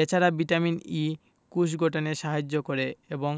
এ ছাড়া vitamin E কোষ গঠনে সাহায্য করে এবং